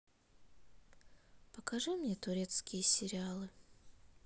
покажи мне турецкие сериалы